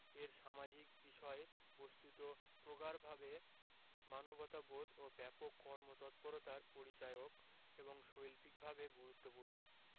এর সামাজিক বিষয়বস্ত্ত প্রগাঢ়ভাবে মানবতাবোধ ও ব্যাপক কর্মতৎপরতার পরিচায়ক এবং শৈল্পিকভাবে গুরুত্বপূর্ণ